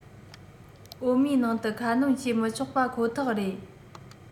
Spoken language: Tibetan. འོ མའི ནང དུ ཁ སྣོན བྱེད མི ཆོག པ ཁོ ཐག རེད